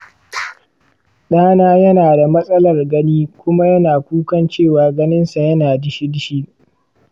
ɗana yana da matsalar gani kuma yana kukan cewa ganinsa yana dishi-dishi.